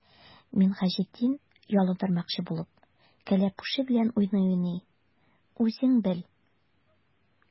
Минһаҗетдин, ялындырмакчы булып, кәләпүше белән уйный-уйный:— Үзең бел!